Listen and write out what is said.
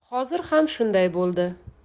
hozir ham shunday bo'ldi